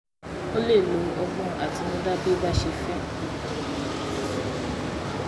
O lè lo ọgbọ́n àtinúdá bí ó bá ti ṣe fẹ́.